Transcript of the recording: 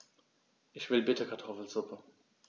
Ich will bitte Kartoffelsuppe.